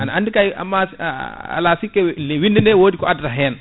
ana andi kay amas ala sikke windede wodi ko addata hen